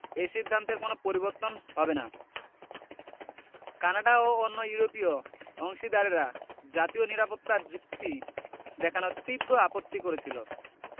এ সিদ্ধান্তের কোনো পরিবর্তন হবে না কানাডা ও অন্য ইউরোপীয় অংশীদারেরা জাতীয় নিরাপত্তা র যুক্তি দেখানোয় তীব্র আপত্তি করেছিল